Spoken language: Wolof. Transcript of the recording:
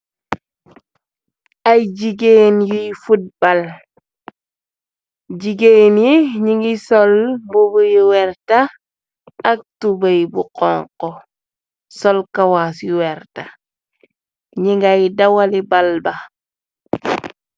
Ay jigéen yuy futbal jigéen yi ñi ngi sol mubuyu werta ak tubay bu xonko sol kawaas yu werta ñi ngay dawali bal ba.